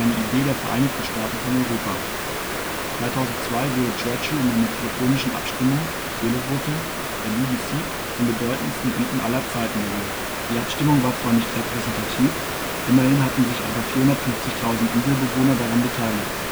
Idee der " Vereinigten Staaten von Europa " 2002 wurde Churchill in einer telefonischen Abstimmung (Televoting) der BBC zum bedeutendsten Briten aller Zeiten gewählt. Die Abstimmung war zwar nicht repräsentativ, immerhin hatten sich aber 450.000 Inselbewohner daran beteiligt